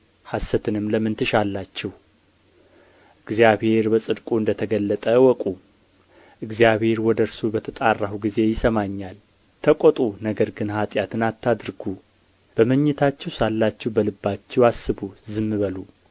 ሀሰትንም ለምን ትሻላችሁ እግዚአብሔር በጻድቁ እንደ ተገለጠ እወቁ እግዚአብሔር ወደ እርሱ በተጣራሁ ጊዜ ይሰማኛል ተቈጡ ነገር ግን ኃጢአትን አታድርጉ በመኝታችሁ ሳላችሁ በልባችሁ አስቡ ዝም በሉ